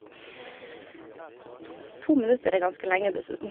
To minutter er ganske lenge, dessuten.